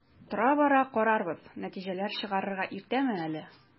Тора-бара карарбыз, нәтиҗәләр чыгарырга иртәме әле?